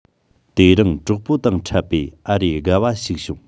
དེ རིང གྲོགས པོ དང ཕྲད པས ཨ རེ དགའ བ ཞིག བྱུང